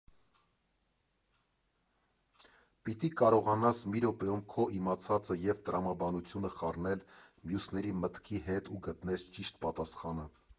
Պիտի կարողանաս մի րոպեում քո իմացածը և տրամաբանությունը խառնել մյուսների մտքի հետ ու գտնես ճիշտ պատասխանը։